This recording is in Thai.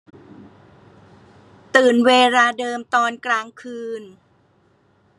ตื่นเวลาเดิมตอนกลางคืน